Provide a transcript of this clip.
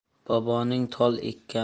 boboning tol ekkani